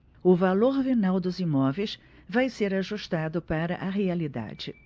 o valor venal dos imóveis vai ser ajustado para a realidade